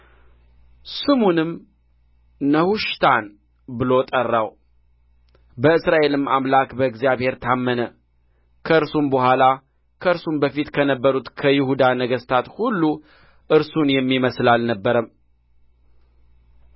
ስሙንም ነሑሽታን ብሎ ጠራው በእስራኤልም አምላክ በእግዚአብሔር ታመነ ከእርሱም በኋላ ከእርሱም በፊት ከነበሩት ከይሁዳ ነገሥታት ሁሉ እርሱን የሚመስል አልነበረም